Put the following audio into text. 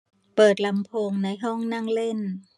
เปิดลำโพงในห้องนั่งเล่น